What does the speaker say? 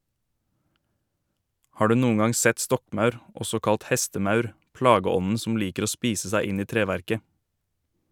Har du noen gang sett stokkmaur, også kalt hestemaur, plageånden som liker å spise seg inn i treverket?